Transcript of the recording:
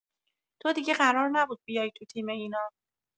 تو دیگه قرار نبود بیای تو تیم اینا.